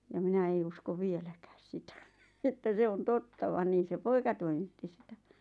ja minä ei usko vieläkään sitä että se on totta vaan niin se poika toimitti sitä